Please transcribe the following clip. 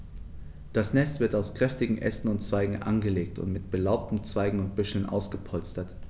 Das Nest wird aus kräftigen Ästen und Zweigen angelegt und mit belaubten Zweigen und Büscheln ausgepolstert.